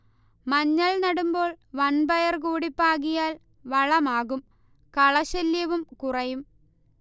മഞ്ഞൾ നടുമ്പോൾ വൻപയർ കൂടി പാകിയാൽ വളമാകും കളശല്യവും കുറയും